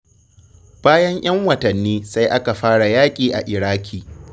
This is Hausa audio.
Bayan 'yan watanni, sai aka fara yaƙi a Iraƙi.